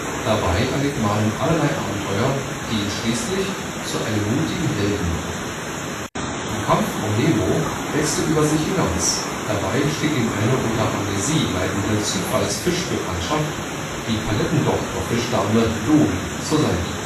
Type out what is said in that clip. Dabei erlebt Marlin allerlei Abenteuer, die ihn schließlich zu einem mutigen Helden machen. Im Kampf um Nemo wächst er über sich hinaus. Dabei steht ihm eine unter Amnesie leidende Zufalls-Fischbekanntschaft, die Palettendoktorfisch-Dame Dorie, zur Seite